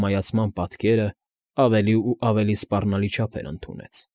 Ամայացման պատկերն ավելի ու ավելի սպառանլի չափեր ընդունեց։